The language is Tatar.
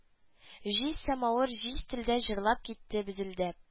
Җиз самавыр җиз телдә җырлап китте безелдәп